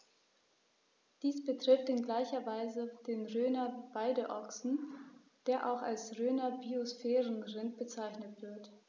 Dies betrifft in gleicher Weise den Rhöner Weideochsen, der auch als Rhöner Biosphärenrind bezeichnet wird.